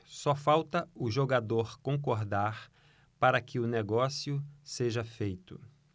só falta o jogador concordar para que o negócio seja feito